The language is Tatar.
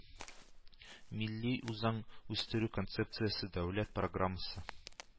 Милли үзаң үстерү концепциясе, дәүләт программасы